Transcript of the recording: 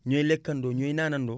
ñooy lekkandoo ñooy naandandoo